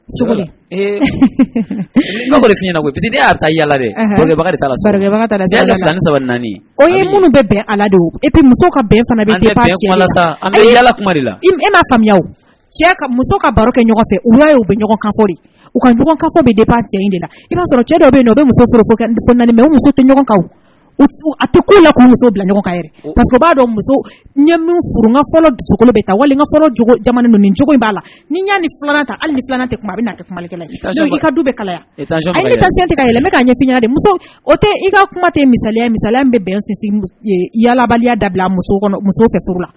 Y'a o ye minnu bɛɛ bɛn ala e muso bɛn lami muso ka baro kɛ ɲɔgɔn fɛ u bɛ kan u ka in de i'a sɔrɔ cɛ dɔ yen u bɛ muso mɛ kan a to ko la bila b'a dɔn muso ɲɛkolo bɛ wali cogo'a la ni filanan a bɛ yɛlɛ ɲɛ tɛ i ka kumasa bɛ bɛn si yalalabaliya da bila muso kɛ la